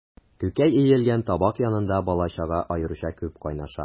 Күкәй өелгән табак янында бала-чага аеруча күп кайнаша.